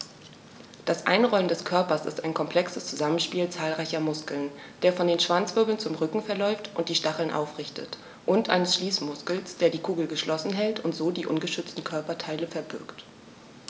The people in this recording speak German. Das Einrollen des Körpers ist ein komplexes Zusammenspiel zahlreicher Muskeln, der von den Schwanzwirbeln zum Rücken verläuft und die Stacheln aufrichtet, und eines Schließmuskels, der die Kugel geschlossen hält und so die ungeschützten Körperteile verbirgt.